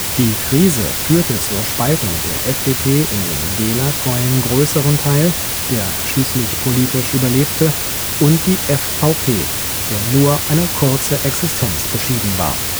Die Krise führte zur Spaltung der FDP in den Dehler-treuen größeren Teil, der schließlich politisch überlebte, und die FVP, der nur eine kurze Existenz beschieden war